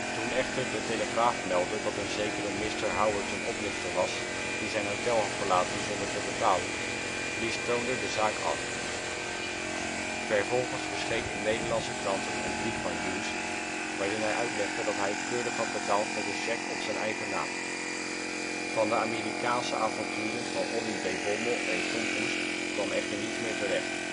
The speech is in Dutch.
Toen echter De Telegraaf meldde dat een zekere mister Howard een oplichter was die zijn hotel had verlaten zonder te betalen, blies Toonder de zaak af. Vervolgens verscheen in Nederlandse kranten een brief van Hughes waarin hij uitlegde dat hij keurig had betaald met een cheque op zijn eigen naam. Van de Amerikaanse avonturen van Ollie B. Bommel en Tom Poes kwam echter niets meer terecht